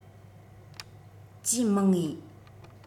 གྱིས མང ངེས